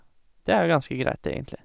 Det er jo ganske greit, egentlig.